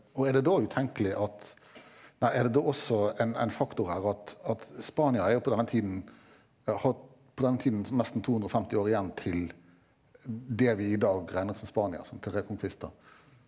og er det da utenkelig at nei er det da også en en faktor her at at Spania er jo på denne tiden har på den tiden som nesten 250 år igjen til det vi i dag regner som Spania som .